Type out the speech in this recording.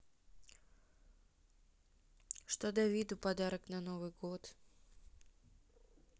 что давиду подарок на новый год